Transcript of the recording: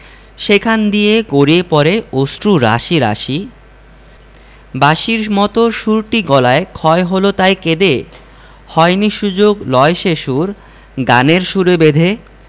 সেখান দিয়ে গড়িয়ে পড়ে অশ্রু রাশি রাশি বাঁশির মতো সুরটি গলায় ক্ষয় হল তাই কেঁদে হয়নি সুযোগ লয় সে সুর গানের সুরে বেঁধে